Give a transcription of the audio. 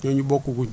yooyu bokkaguñ